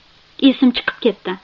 esim chiqib ketdi